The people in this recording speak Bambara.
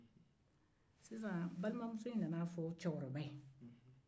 balimamuso in a fɔ cɛkɔrɔba ye